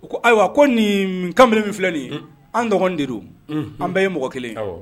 Ko ,ayiwa , ko nin kamalen min filɛ nin ye, an dɔgɔnin de don, an bɛɛ ye mɔgɔ kelen ye.